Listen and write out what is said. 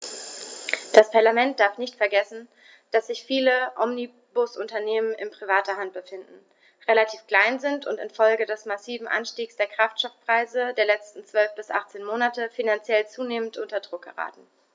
Dieses Parlament darf nicht vergessen, dass sich viele Omnibusunternehmen in privater Hand befinden, relativ klein sind und in Folge des massiven Anstiegs der Kraftstoffpreise der letzten 12 bis 18 Monate finanziell zunehmend unter Druck geraten.